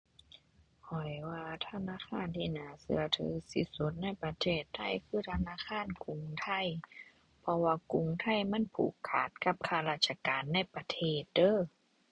ข้อยว่าธนาคารที่น่าเชื่อถือที่สุดในประเทศไทยคือ ธนาคารกรุงไทย เพราะว่ากรุงไทยมันผูกขาดกับข้าราชการในประเทศเด้อ